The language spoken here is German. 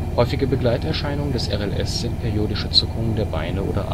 Häufige Begleiterscheinungen des RLS sind periodische Zuckungen der Beine oder